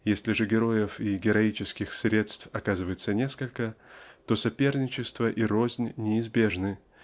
Если же героев и героических средств оказывается несколько то соперничество и рознь неизбежны